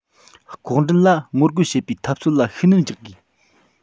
ལྐོག འདྲེན ལ ངོ རྒོལ བྱེད པའི འཐབ རྩོད ལ ཤུགས སྣོན རྒྱག དགོས